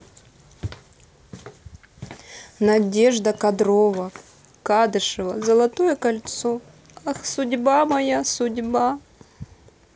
надежда кадрова кадышева золотое кольцо ах судьба моя судьба